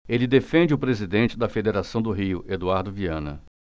ele defende o presidente da federação do rio eduardo viana